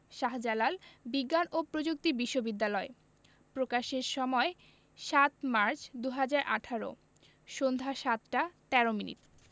শাহজালাল বিজ্ঞান ও প্রযুক্তি বিশ্ববিদ্যালয় প্রকাশের সময় ০৭মার্চ ২০১৮ সন্ধ্যা ৭টা ১৩ মিনিট